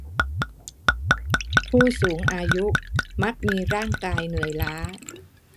ผู้สูงอายุมักมีร่างกายเหนื่อยล้า